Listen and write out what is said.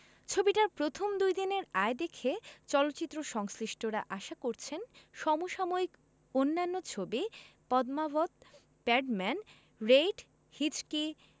ছবিটার প্রথম দুইদিনের আয় দেখে চলচ্চিত্র সংশ্লিষ্টরা আশা করছেন সম সাময়িক অন্যান্য ছবি পদ্মাবত প্যাডম্যান রেইড হিচকি